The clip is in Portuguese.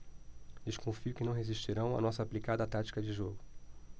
desconfio que não resistirão à nossa aplicada tática de jogo